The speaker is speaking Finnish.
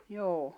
joo